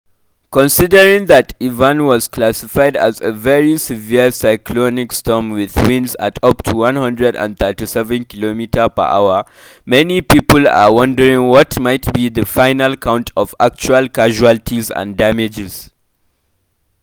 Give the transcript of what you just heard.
Considering that Ivan was classified as a very severe cyclonic storm with winds at up to 137 km/h, many people are wondering what might be the final count of actual casualties and damages.